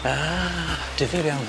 Ah difyr iawn.